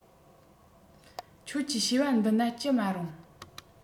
ཁྱོད ཀྱིས བྱིས པ འདི ན ཅི མ རུང